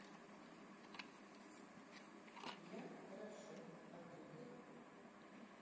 я хорошо а ты как